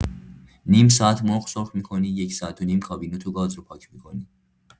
نیم ساعت مرغ سرخ می‌کنی یک ساعت و نیم کابینت و گاز رو پاک می‌کنی!